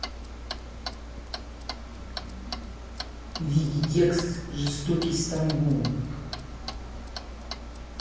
виде текст жестокий стамбул